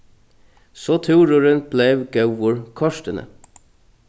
so túrurin bleiv góður kortini